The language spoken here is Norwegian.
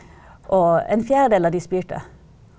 og en fjerdedel av de spirte.